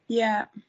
Ie.